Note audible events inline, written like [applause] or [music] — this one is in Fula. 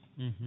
[hesitation] [hesitation]